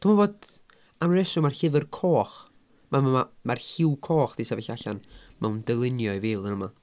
Dwi'n meddwl bod, am ryw reswm mae'r llyfr coch. Ma' ma' ma' mae'r lliw coch 'di sefyll allan mewn dylunio i fi flwyddyn yma.